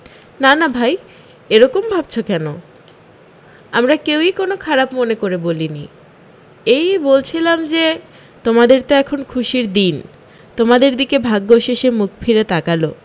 না না ভাই এরকম ভাবছ কেন আমরা কেউই কোনো খারাপ মনে করে বলিনি এই বলছিলাম যে তোমাদের তো এখন খুশির দিন তোমাদের দিকে ভাগ্য শেষে মুখ ফিরে তাকালো